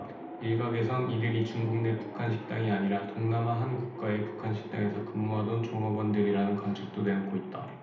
일각에선 이들이 중국내 북한 식당이 아니라 동남아 한 국가의 북한 식당에서 근무하던 종업원들이라는 관측도 내놓고 있다